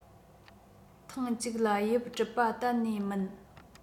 ཐེངས གཅིག ལ དབྱིབས གྲུབ པ གཏན ནས མིན